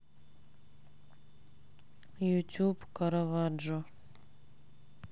ютуб караваджо